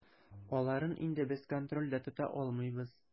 Аларын инде без контрольдә тота алмыйбыз.